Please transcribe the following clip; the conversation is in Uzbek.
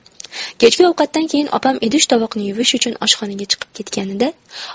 kechki ovqatdan keyin opam idish tovoqni yuvish uchun oshxonaga chiqib ketganida